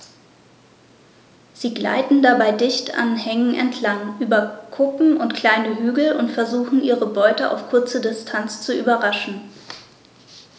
Sie gleiten dabei dicht an Hängen entlang, über Kuppen und kleine Hügel und versuchen ihre Beute auf kurze Distanz zu überraschen.